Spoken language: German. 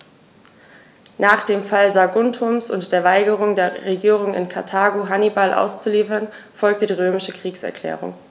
Nach dem Fall Saguntums und der Weigerung der Regierung in Karthago, Hannibal auszuliefern, folgte die römische Kriegserklärung.